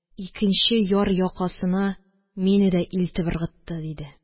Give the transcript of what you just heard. Икенче яр якасына мине дә илтеп ыргытты диде